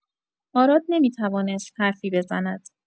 آراد نمی‌توانست حرفی بزند.